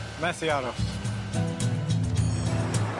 Methu aros.